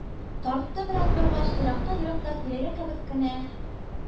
-тартты бераз баргач, еракта-еракта күләгә кебек кенә